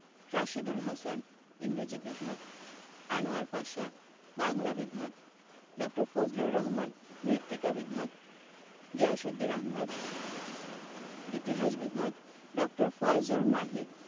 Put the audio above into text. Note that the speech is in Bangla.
রাশীদুল হাসান ইংরেজি বিভাগ আনোয়ার পাশা বাংলা বিভাগ ড. ফজলুর রহমান মৃত্তিকা বিভাগ গিয়াসউদ্দিন আহমদ ইতিহাস বিভাগ ড. ফয়জুল মাহি